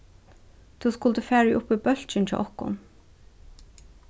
tú skuldi farið upp í bólkin hjá okkum